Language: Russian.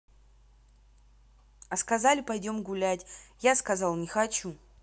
а сказали пойдем гулять я сказала не хочу